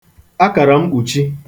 akàrà mkpùchi